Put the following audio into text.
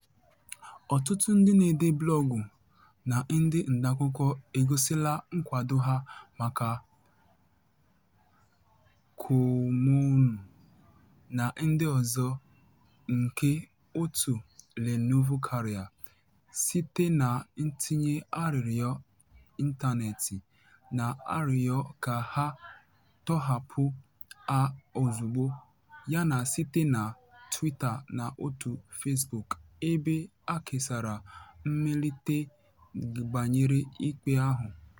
Ọtụtụ ndị na-ede blọọgụ na ndị ntaakụkọ egosila nkwado ha maka Kouamouo na ndị ọzọ nke òtù Le Nouveau Courrier site na ntinye arịrịọ ịntaneetị na-arịọ ka ha tọhapụ ha ozugbo, yana site na Twitter na òtù Facebook ebe ha kesara mmelite banyere ikpe ahụ.